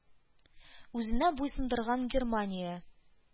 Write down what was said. Үзенә буйсындырган германия